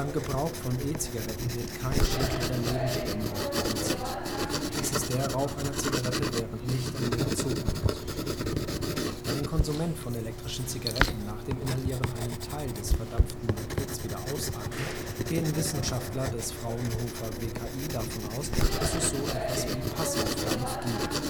Gebrauch von E-Zigaretten wird kein schädlicher Nebenstromrauch produziert. Dies ist der Rauch einer Zigarette, während nicht an ihr gezogen wird. Da ein Konsument von elektrischen Zigaretten nach dem Inhalieren einen Teil des verdampften Liquids wieder ausatmet, gehen Wissenschaftler des Fraunhofer WKI davon aus, dass es so etwas wie Passivdampf gibt